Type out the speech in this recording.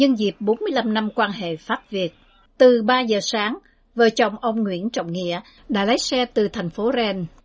nhân dịp bốn mươi lăm năm quan hệ pháp việt từ ba giờ sáng vợ chồng ông nguyễn trọng nghĩa đã lái xe từ thành phố ren